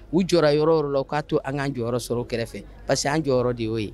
U jɔra yɔrɔ yɔrɔ la u k'a to an ŋ'an jɔyɔrɔ sɔrɔ u kɛrɛfɛ parce que an jɔyɔrɔ de y'o ye